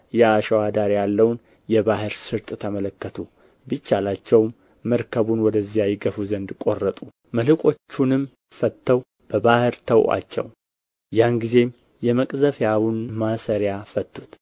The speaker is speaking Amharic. የአሸዋ ዳር ያለውን የባሕር ስርጥ ተመለከቱ ቢቻላቸውም መርከቡን ወደዚያ ይገፉ ዘንድ ቈረጡ መልሕቆቹንም ፈትተው በባሕር ተዉአቸው ያን ጊዜም የመቅዘፊያውን ማሠሪያ ፈቱት